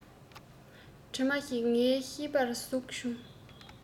གྲིབ མ ཞིག ངའི ཤེས པར ཟགས བྱུང